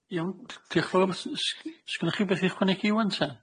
Iawn d- diolch yn fawr s- s- s- s'gennoch chi wbath i ychwanegu ŵan ta?